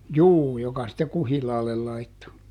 juu joka sitten kuhilaalle laittoi